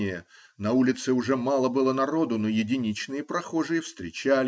На улице уже мало было народу, но единичные прохожие встречались.